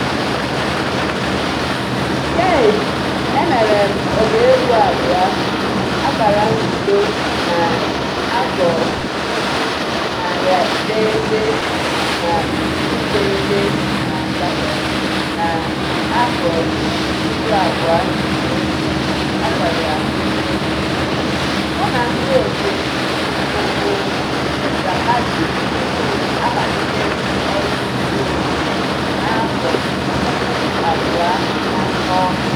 Keyti ​​: Emere m ọbaegwu abụọ (na 1998 na 2001) mụ na ndịotu m mbụ bụ Rapadio tupu amalite m ọrụ nkeonwe m na 2003.